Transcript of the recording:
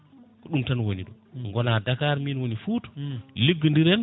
ko ɗum tan woni ɗo goona Dakar min woni Fouta liggodiren